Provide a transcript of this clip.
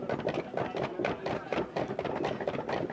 Sanunɛ